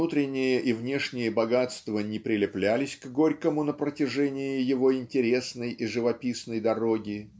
внутренние и внешние богатства ни прилеплялись к Горькому на протяжении его интересной и живописной дороги